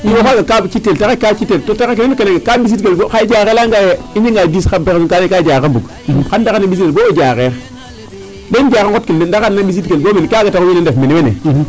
No o xaaga kaa ci'tel taxar ke kaa ci'tel to taxar ke kaa ɓisiidkel xaye Diarekh a layangaa ye i njeganga dix xan ndaxar ne ɓisiidel bo'o Diarekh ndaxar ne na ɓisiidkel boo mene Kaaga taxu wene ndef mene wene.